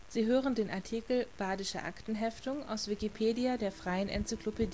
Sie hören den Artikel Badische Aktenheftung, aus Wikipedia, der freien Enzyklopädie